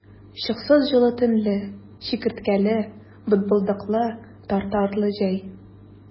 Чыксыз җылы төнле, чикерткәле, бытбылдыклы, тартарлы җәй!